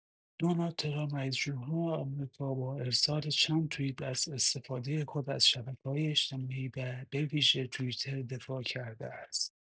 دونالد ترامپ، رئیس‌جمهور آمریکا، با ارسال چند توییت از استفاده خود از شبکه‌های اجتماعی و بویژه توییتر دفاع کرده است.